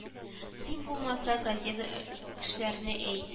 Син булмаса газета кешеләренә әйт